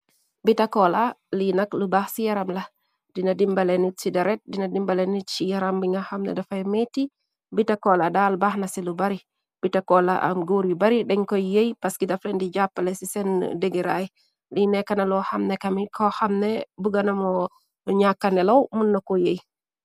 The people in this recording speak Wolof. Bitakoola lii nak lu baax ci yaram la dina dimbale nit ci deret dina dimbale nit ci yaram bi nga xamne dafay meeti bitakoola daal baaxna ci lu bari bitakoola am góur yu bari deñ koy yeey paski dafalen di jàppale ci seen degiraay li nekkna loo xamne kami ko xamne bu gënamoo ñakkane law munna ko yey.